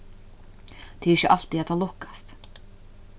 tað er ikki altíð at tað lukkast